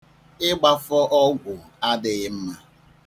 Ịgbafọ ọgwụ adịghị mma.